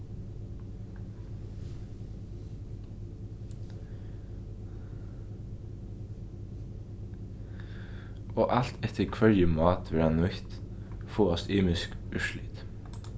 og alt eftir hvørji mát verða nýtt fáast ymisk úrslit